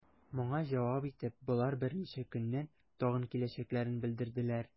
Моңа җавап итеп, болар берничә көннән тагын киләчәкләрен белдерделәр.